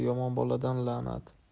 yomon boladan la'nat